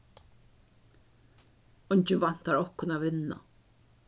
eingin væntar okkum at vinna